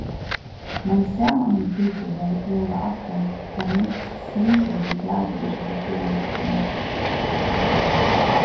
men samanumtikið var jólaaftan tann minst siðbundni dagurin tá tað kemur til mat